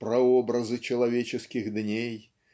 прообразы человеческих дней